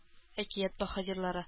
Әкият баһадирлары